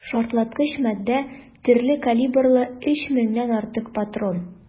Шартлаткыч матдә, төрле калибрлы 3 меңнән артык патрон.